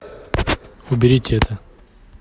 уберите это